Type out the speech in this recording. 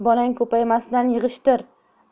bolang ko'paymasidan yig'ishtir